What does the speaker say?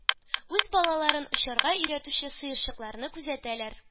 Үз балаларын очарга өйрәтүче сыерчыкларны күзәтәләр...